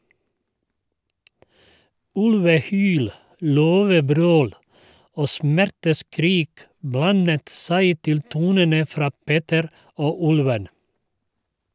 Ulvehyl, løvebrøl og smerteskrik blandet seg til tonene fra "Peter og Ulven".